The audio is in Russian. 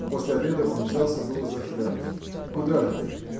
После обеда он взялся было за шляпу. – Куда же ты?